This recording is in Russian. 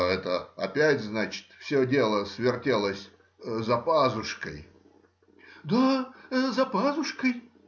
— Это опять, значит, все дело свертелось за пазушкой? — Да, за пазушкой.